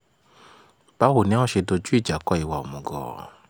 Báwo ni a ó ṣe dojú ìjà kọ ìwà òmùgọ̀?